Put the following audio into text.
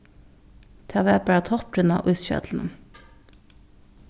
tað var bara toppurin á ísfjallinum